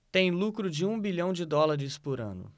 tem lucro de um bilhão de dólares por ano